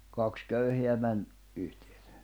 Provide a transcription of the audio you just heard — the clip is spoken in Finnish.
kaksi köyhää meni yhteen